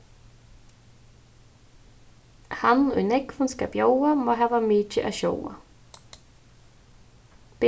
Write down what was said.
hann ið nógvum skal bjóða má hava mikið at sjóða